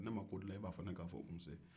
ne ma ko dilan e ba fɔ ne k'a fɔ nse